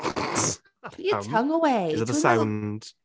Pam?... Put your tongue away... Was it the sound?